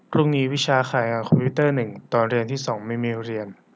พรุ่งนี้วิชาข่ายงานคอมพิวเตอร์หนึ่งตอนเรียนที่สองไม่มีเรียน